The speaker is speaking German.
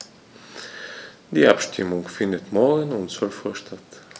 Die Abstimmung findet morgen um 12.00 Uhr statt.